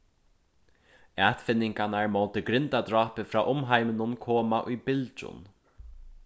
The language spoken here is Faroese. atfinningarnar móti grindadrápi frá umheiminum koma í bylgjum